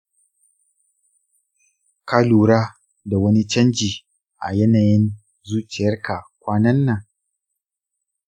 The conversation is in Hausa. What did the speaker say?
ka lura da wani canji a yanayin zuciyarka kwanan nan?